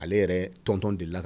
Ale yɛrɛ tɔntɔn de la